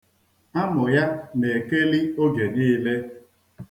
Amu ya na-ekeli oge niile.